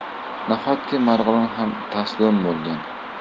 nahotki marg'ilon ham taslim bo'lgan